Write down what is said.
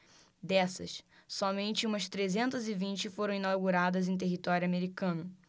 dessas somente umas trezentas e vinte foram inauguradas em território americano